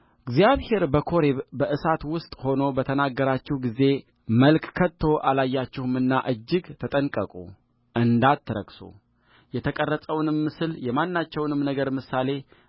እግዚአብሔር በኮሬብ በእሳት ውስጥ ሆኖ በተናገራችሁ ጊዜ መልክ ከቶ አላያችሁምና እጅግ ተጠንቀቁእንዳትረክሱ የተቀረጸውን ምስል የማናቸውንም ነገር ምሳሌ